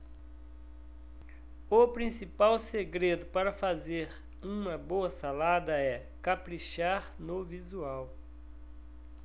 o principal segredo para fazer uma boa salada é caprichar no visual